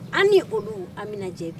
An ni olulu an minɛ jɛ